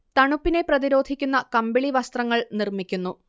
തണുപ്പിനെ പ്രതിരോധിക്കുന്ന കമ്പിളി വസ്ത്രങ്ങൾ നിർമ്മിക്കുന്നു